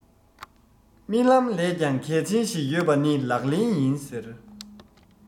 རྨི ལམ ལས ཀྱང གལ ཆེན ཞིག ཡོད པ ནི ལག ལེན ཡིན ཟེར